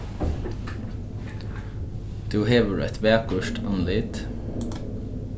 tú hevur eitt vakurt andlit